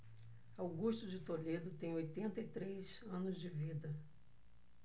augusto de toledo tem oitenta e três anos de vida